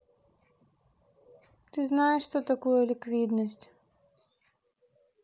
ты знаешь что такое ликвидность